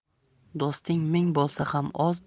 do'sting ming bo'lsa ham oz